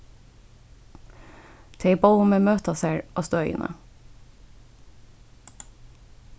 tey bóðu meg møta sær á støðini